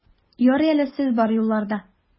Ярый әле сез бар юлларда!